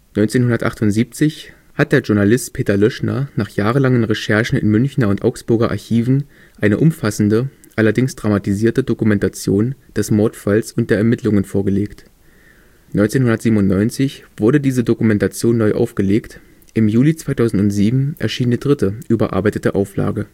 1978 hat der Journalist Peter Leuschner nach jahrelangen Recherchen in Münchner und Augsburger Archiven eine umfassende – allerdings dramatisierte – Dokumentation des Mordfalls und der Ermittlungen vorgelegt. 1997 wurde diese Dokumentation neu aufgelegt, im Juli 2007 erschien die dritte, überarbeitete Auflage